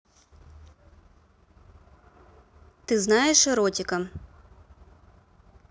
ты знаешь эротика